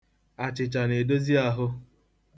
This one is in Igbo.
Achịcha na-edozi ahụ.